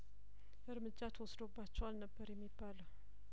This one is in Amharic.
እርምጃ ተወስዶባቸዋል ነበር የሚባለው